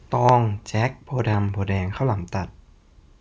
ตองแจ็คโพธิ์ดำโพธิ์แดงข้าวหลามตัด